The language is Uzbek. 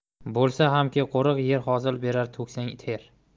bo'lsa hamki qo'riq yer hosil berar to'ksang ter